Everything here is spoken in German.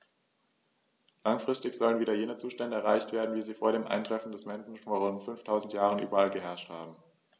Langfristig sollen wieder jene Zustände erreicht werden, wie sie vor dem Eintreffen des Menschen vor rund 5000 Jahren überall geherrscht haben.